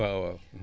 waaw waaw